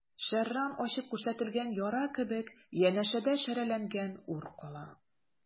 Шәрран ачып күрсәтелгән яра кебек, янәшәдә шәрәләнгән ур кала.